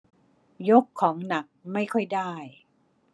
ยกของหนักไม่ค่อยได้